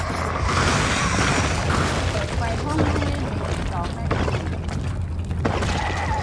เปิดไฟห้องนั่งเล่นในอีกสองนาที